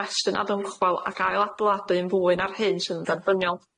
ymestyn a ddymchwel ac ail adeiladu'n fwy na'r hyn sy'n ddanfyniol.